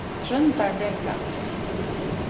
tróndarbrekka